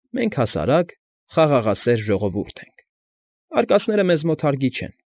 Մենք հասարակ, խաղաղասեր ժողովուրդ ենք։ Արկածները մեզ մոտ հարգի չեն։